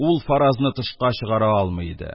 Ул фаразны тышка чыгара алмый иде.